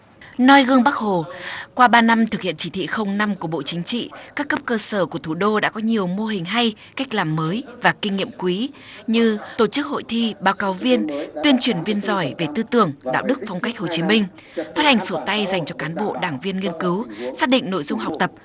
noi gương bác hồ qua ba năm thực hiện chỉ thị không năm của bộ chính trị các cấp cơ sở của thủ đô đã có nhiều mô hình hay cách làm mới và kinh nghiệm quý như tổ chức hội thi báo cáo viên tuyên truyền viên giỏi về tư tưởng đạo đức phong cách hồ chí minh phát hành sổ tay dành cho cán bộ đảng viên nghiên cứu xác định nội dung học tập